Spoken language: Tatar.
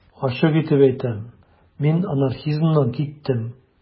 Ачык итеп әйтәм: мин анархизмнан киттем.